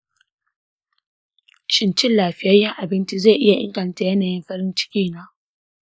shin cin lafiyayyen abinci zai iya inganta yanayin farin ciki na?